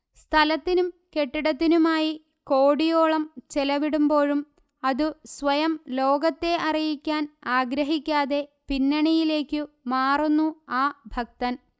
സ്ഥലത്തിനും കെട്ടിടത്തിനുമായി കോടിയോളം ചെലവിടുമ്പോഴും അതു സ്വയം ലോകത്തെ അറിയിക്കാന് ആഗ്രഹിക്കാതെ പിന്നണിയിലേക്കു മാറുന്നു ആ ഭക്തൻ